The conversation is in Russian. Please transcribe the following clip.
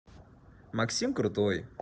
максим крутой